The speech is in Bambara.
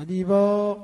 Madi